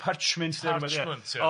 Parchment Parchment, ia.